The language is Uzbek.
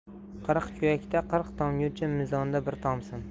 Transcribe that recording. qirqkuyakda qirq tomguncha mizonda bir tomsin